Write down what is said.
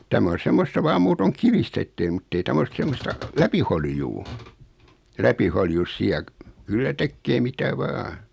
tämä on semmoista vain muuten kivistä että ei mutta ei tämä ole semmoista läpiholjua läpiholjussa siellä kyllä tekee mitä vain